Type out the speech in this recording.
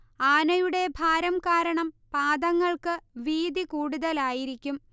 ആനയുടെ ഭാരം കാരണം പാദങ്ങൾക്ക് വീതി കൂടുതലായിരിക്കും